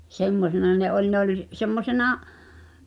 semmoisena ne oli ne oli semmoisena